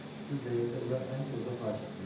shu zaylda ular ancha uzoqlashishdi